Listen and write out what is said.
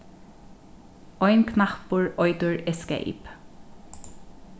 ein knappur eitur escape